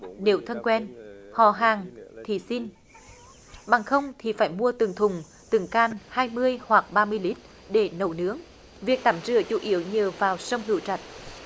đều thân quen họ hàng thì xin bằng không thì phải mua từng thùng từng can hai mươi hoặc ba mươi lít để nấu nướng việc tắm rửa chủ yếu nhờ vào sông hữu trạch